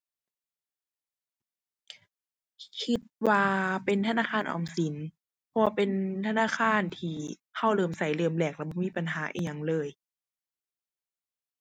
คิดว่าเป็นธนาคารออมสิน เพราะว่าเป็นธนาคารที่เราเริ่มเราเริ่มแรกแล้วบ่มีปัญหาอิหยังเลย